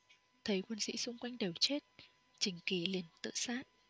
thấy quân sĩ xung quanh đều chết trình kỳ liền tự sát